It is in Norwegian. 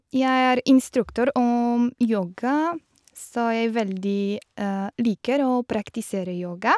Jeg er instruktør om yoga, så jeg veldig liker å praktisere yoga.